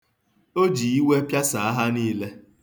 O ji iwe pịasaa ha niile.